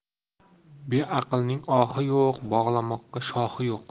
beaqlning ohi yo'q bog'lamoqqa shoxi yo'q